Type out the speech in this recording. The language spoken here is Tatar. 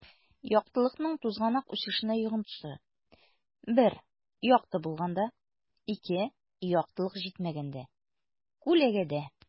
Яктылыкның тузганак үсешенә йогынтысы: 1 - якты булганда; 2 - яктылык җитмәгәндә (күләгәдә)